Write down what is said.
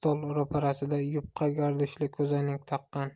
stol ro'parasida yupqa gardishli ko'zoynak taqqan